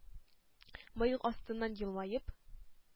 Мыек астыннан елмаеп: